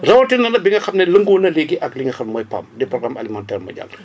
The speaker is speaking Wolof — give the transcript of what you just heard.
rawatina nag bi nga xam ne lëngoo na léegi ak li nga xam mooy PAM di programme alimentaire mondial